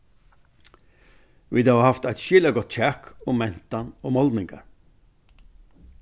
vit hava havt eitt skilagott kjak um mentan og málningar